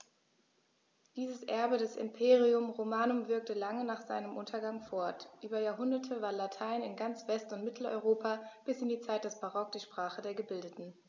Dieses Erbe des Imperium Romanum wirkte lange nach seinem Untergang fort: Über Jahrhunderte war Latein in ganz West- und Mitteleuropa bis in die Zeit des Barock die Sprache der Gebildeten.